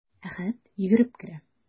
Әхәт йөгереп керә.